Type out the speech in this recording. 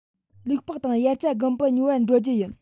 ལུག པགས དང དབྱར རྩྭ དགུན འབུ ཉོ བར འགྲོ རྒྱུ ཡིན